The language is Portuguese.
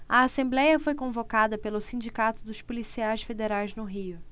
a assembléia foi convocada pelo sindicato dos policiais federais no rio